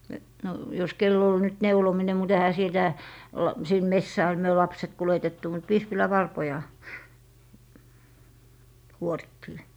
no jos kenellä oli nyt neulominen mutta eihän sitä - sinne metsään me lapset kuljetettu mutta vispilänvarpoja kuorittiin